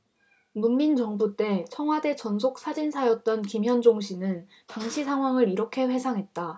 문민정부 때 청와대 전속사진사였던 김현종씨는 당시 상황을 이렇게 회상했다